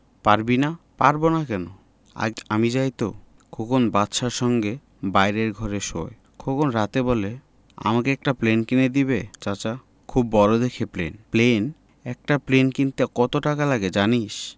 পারবি না পারব না কেন আগে আমি যাই তো খোকন বাদশার সঙ্গে বাইরের ঘরে শোয় খোকন রাতে বলে আমাকে একটা প্লেন কিনে দিবে চাচা খুব বড় দেখে প্লেন প্লেন একটা প্লেন কিনতে কত টাকা লাগে জানিস